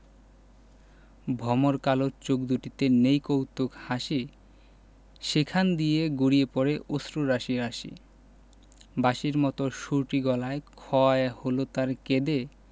ভমর কালো চোখ দুটিতে নেই কৌতুক হাসি সেখান দিয়ে গড়িয়ে পড়ে অশ্রু রাশি রাশি বাঁশির মতো সুরটি গলায় ক্ষয় হল তাই কেঁদে